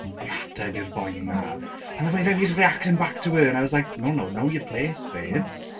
ymateb i'r boi 'na. And then when he's reacting back to her, and I was like, no, no, know your place, babes.